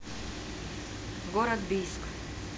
город бийск